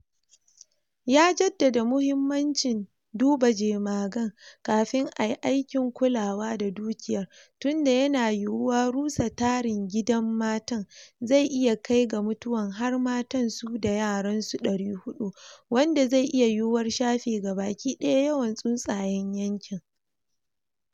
Ya jaddada mahimmanci duba jemagan kafin a yi aikin kulawa da dukiyar tunda yana yiyuwa rusa tarin gidan matan zai iya kai ga mutuwan har matan su da yaran su 400, wanda zai iya yiyuwar shafe gaba ki daya yawan tsuntsayen yankin.